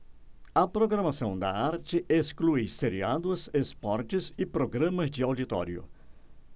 a programação da arte exclui seriados esportes e programas de auditório